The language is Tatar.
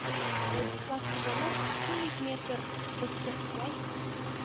Владислав Иванов ике йөз метр, баттерфляй